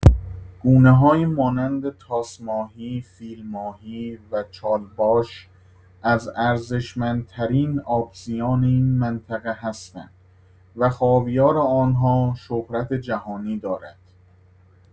گونه‌هایی مانند تاس‌ماهی، فیل‌ماهی و چالباش از ارزشمندترین آبزیان این منطقه هستند و خاویار آنها شهرت جهانی دارد.